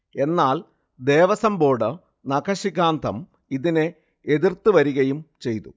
എന്നാൽ, ദേവസ്വം ബോർഡ് നഖശിഖാന്തം ഇതിനെ എതിർത്തു വരികയും ചെയ്തു